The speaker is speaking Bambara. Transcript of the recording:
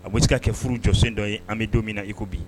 A bɛ se ka kɛ furu jɔsen dɔ ye ,an bɛ don min na i ko bi.